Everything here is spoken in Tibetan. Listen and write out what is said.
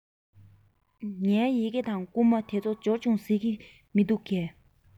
ངའི ཡི གེ དང བསྐུར མ དེ ཚོ འབྱོར བྱུང ཟེར གྱི མི འདུག གས